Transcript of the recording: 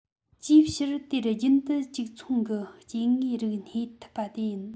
ཅིའི ཕྱིར དེ རུ རྒྱུན དུ གཅིག མཚུངས ཀྱི སྐྱེ དངོས རིགས རྙེད ཐུབ པ དེ ཡིན